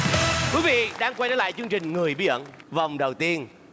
quý vị đang quay trở lại chương trình người bí ẩn vòng đầu tiên